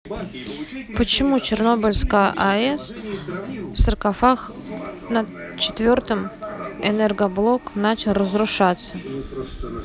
почему чернобыльская аэс саркофаг над четвертый энергоблок начал разрушаться